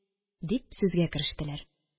Дип сүзгә керештеләр